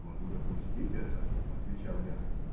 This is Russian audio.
- Могу допустить это, - отвечал я.